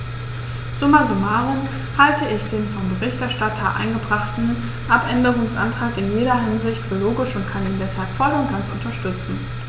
Summa summarum halte ich den von dem Berichterstatter eingebrachten Abänderungsantrag in jeder Hinsicht für logisch und kann ihn deshalb voll und ganz unterstützen.